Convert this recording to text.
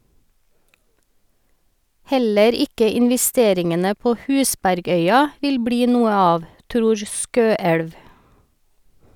Heller ikke investeringene på Husbergøya vil bli noe av , tror Skøelv.